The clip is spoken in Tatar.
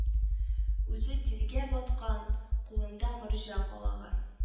Үзе тиргә баткан, кулында морҗа калагы